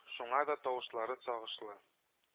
Шуңа да тавышлары сагышлы